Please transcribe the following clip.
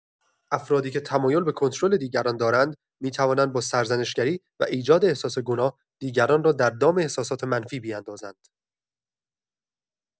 افرادی که تمایل به کنترل دیگران دارند، می‌توانند با سرزنش‌گری و ایجاد احساس گناه، دیگران را در دام احساسات منفی بیندازند.